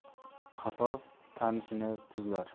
qassob tanishini tuzlar